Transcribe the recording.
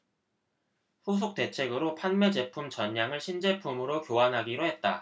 후속 대책으로 판매 제품 전량을 신제품으로 교환하기로 했다